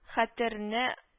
Хәтерне